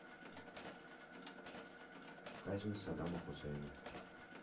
казнь саддама хусейна